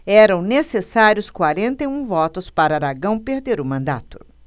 eram necessários quarenta e um votos para aragão perder o mandato